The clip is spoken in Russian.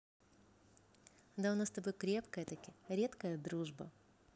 да у нас с тобой крепкая таки редкая дружба